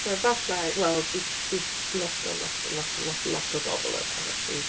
So, efallai, wel, bydd bydd lot o lot o lot o lot o lot o bobl yna felly.